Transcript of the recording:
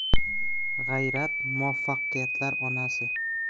g'ayrat muvaffaqiyatlar onasi